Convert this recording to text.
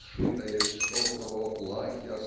сшитая из шелкового платья